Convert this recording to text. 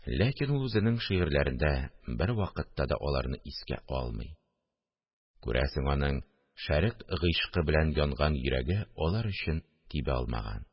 Ләкин ул үзенең шигырьләрендә бервакытта да аларны искә алмый, күрәсең, аның «шәрык гыйшкы» белән янган йөрәге алар өчен тибә алмаган